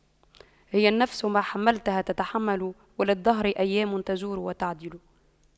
هي النفس ما حَمَّلْتَها تتحمل وللدهر أيام تجور وتَعْدِلُ